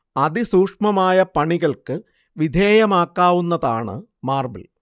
അതിസൂക്ഷ്മമായ പണികൾക്ക് വിധേയമാക്കാവുന്നതാണ് മാർബിൽ